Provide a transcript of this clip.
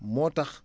moo tax